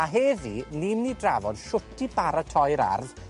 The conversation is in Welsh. a heddi, ni myn' i drafod shwt i baratoi'r ardd